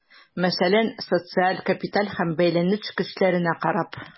Мәсәлән, социаль капитал һәм бәйләнеш көчләренә карап.